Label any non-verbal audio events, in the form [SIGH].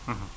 [HESITATION] [HESITATION]